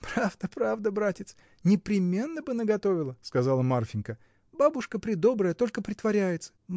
— Правда, правда, братец: непременно бы наготовила, — сказала Марфинька, — бабушка предобрая, только притворяется.